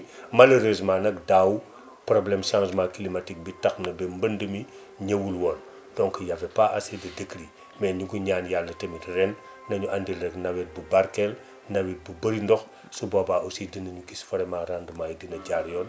malheureusement nag daaw problème changement climatique bi tax na ba mbënd mi ñëwul woon donc y avait: pas assez de décrue mais ñu ngi ñaan yàlla tamit ren nañu andil rek nawet bu barkeel nawet bu bëri ndox su boobaa aussi dinañu gis vraiment rendement yi dina jaar yoon